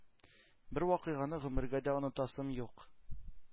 Бер вакыйганы гомергә дә онытасым юк.